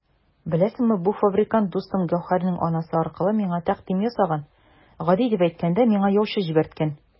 Беләсеңме, бу фабрикант дустым Гәүһәрнең анасы аркылы миңа тәкъдим ясаган, гади итеп әйткәндә, миңа яучы җибәрткән!